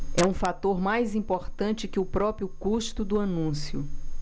é um fator mais importante que o próprio custo do anúncio